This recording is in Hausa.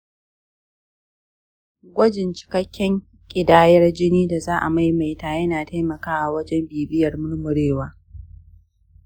gwajin cikakken ƙidayar jinin da za a maimaita yana taimakawa wajen bibiyar murmurewa.